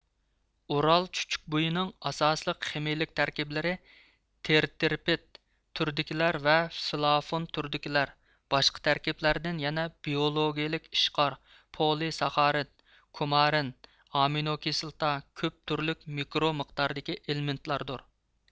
ئۇرال چۈچۈكبۇيىنىڭ ئاساسلىق خىمىيىلىك تەركىبلىرى ترىترپىت تۈرىدىكىلەر ۋە فلاۋون تۈرىدىكىلەر باشقا تەركىبلەردىن يەنە بىئولوگىيىلىك ئىشقار پولى ساخارىد كۇمارىن ئامىنو كىسلاتا كۆپ تۈرلۈك مىكرو مىقداردىكى ئېلېمېنتلاردۇر